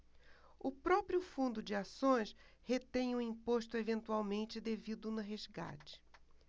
o próprio fundo de ações retém o imposto eventualmente devido no resgate